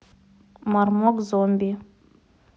мармок зомби